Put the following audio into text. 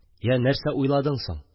Я, нәрсә уйладың соң?